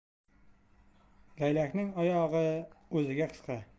laylakning oyog'i o'ziga qisqa